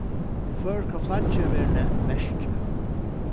føroyska flaggið verður nevnt merkið